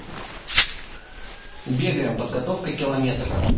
бегаем подготовка километра